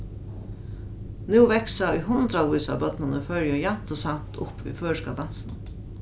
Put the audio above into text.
nú vaksa í hundraðvís av børnum í føroyum javnt og samt upp við føroyska dansinum